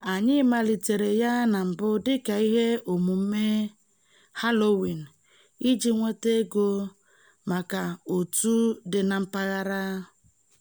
Anyị malitere ya na mbụ dịka ihe omume Halowiin iji nweta ego maka òtù dị na mpaghara.